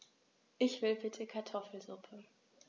Ich will bitte Kartoffelsuppe.